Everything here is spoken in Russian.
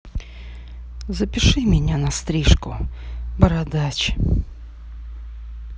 запиши меня на стрижку в бородач